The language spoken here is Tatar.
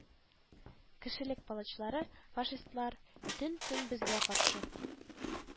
Кешелек палачлары – фашистлар – төн-көн безгә каршы